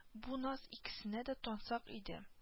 Бу наз икесенә дә тансак иде